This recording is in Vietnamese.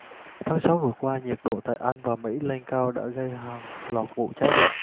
tháng sáu vừa qua nhiệt độ tại anh và mỹ lên cao đã gây ra hàng loạt vụ cháy rừng